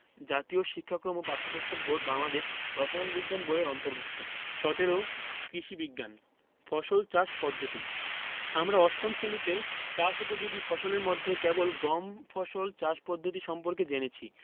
জাতীয় শিক্ষাক্রম ও পাঠ্যপুস্তক বোর্ড বাংলাদেশ রসায়ন বিজ্ঞান বই এর অন্তর্ভুক্ত ১৭ কৃষি বিজ্ঞান ফসল চাষ পদ্ধতি আমরা অষ্টম শ্রেণিতে চাষ উপযোগী ফসলের মধ্যে কেবল গম ফসল চাষ পদ্ধতি সম্পর্কে জেনেছি